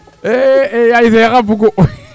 e yaayu Cheikh a bugu